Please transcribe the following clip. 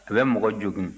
a bɛ mɔgɔ jogin